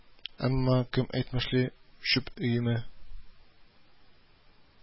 Әмма, кем әйтмешли, чүп өеме